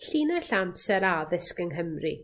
Llinell amser addysg yng Nghymru.